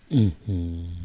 Unhunn!